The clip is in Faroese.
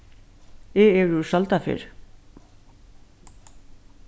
eg eri úr søldarfirði